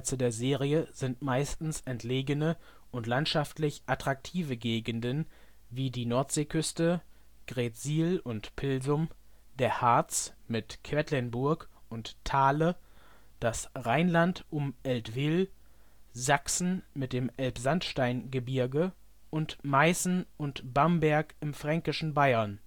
der Serie sind meistens entlegene und landschaftlich attraktive Gegenden wie die Nordseeküste (Greetsiel und Pilsum), der Harz mit Quedlinburg und Thale, das Rheinland um Eltville, Sachsen mit dem Elbsandsteingebirge und Meißen und Bamberg im fränkischen Bayern